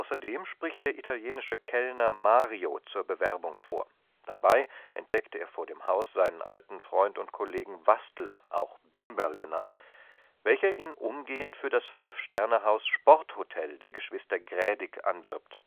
Außerdem spricht der italienische Kellner Mario zur Bewerbung vor. Dabei entdeckt er vor dem Haus seinen alten Freund und Kollegen Wastl – auch Bimberl genannt –, welcher ihn umgehend für das Fünfsternehaus Sporthotel der Geschwister Grädik anwirbt